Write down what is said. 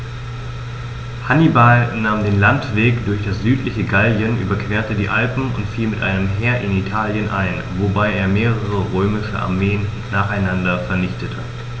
Hannibal nahm den Landweg durch das südliche Gallien, überquerte die Alpen und fiel mit einem Heer in Italien ein, wobei er mehrere römische Armeen nacheinander vernichtete.